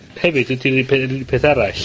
...hefyd ydi'r uni' pe-, yr unig peth arall.